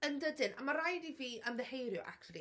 Yndydyn, a mae'n rhaid i fi ymddiheuro actually...